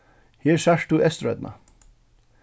her sært tú eysturoynna